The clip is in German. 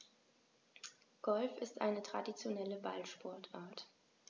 Golf ist eine traditionelle Ballsportart.